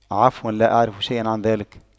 عفوا لا اعرف شيئا عن ذلك